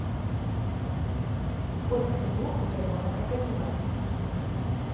сколько зубов у дракона крокодила